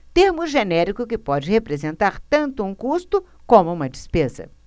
termo genérico que pode representar tanto um custo como uma despesa